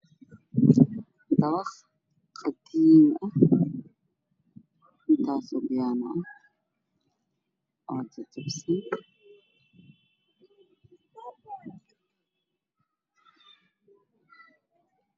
Dabaq qadiimi ah intaas oo biyaano ah oo aad jajabisay